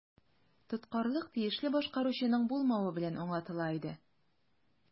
Тоткарлык тиешле башкаручының булмавы белән аңлатыла иде.